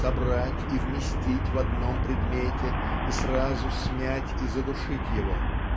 собрать и вместить в одном предмете и сразу смять и задушить его.